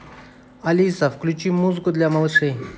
алиса включи музыку для малышей